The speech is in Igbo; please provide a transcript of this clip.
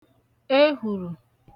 ehuru